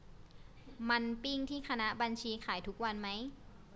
มันปิ้งที่คณะบัญชีขายทุกวันไหม